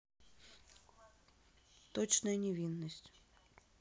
точная невинность